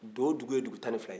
do dugu ye dugu tan ni fila